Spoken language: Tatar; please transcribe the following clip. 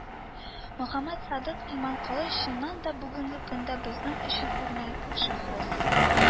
Мөхәммәтсадыйк Иманколый, чыннан да, бүгенге көндә безнең өчен үрнәк шәхес